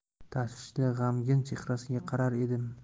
tashvishli g'amgin chehrasiga qarar edim